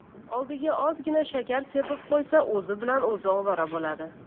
oldiga ozgina shakar sepib qo'ysa o'zi bilan o'zi ovora bo'ladi